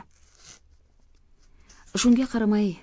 shunga qaramay